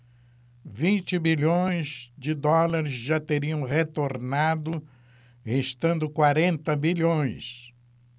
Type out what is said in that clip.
vinte bilhões de dólares já teriam retornado restando quarenta bilhões